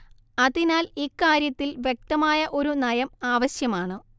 അതിനാല്‍ ഇക്കാര്യത്തില്‍ വ്യക്തമായ ഒരു നയം ആവശ്യമാണ്